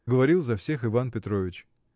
Говорил за всех Иван Петрович.